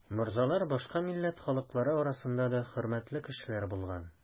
Морзалар башка милләт халыклары арасында да хөрмәтле кешеләр булган.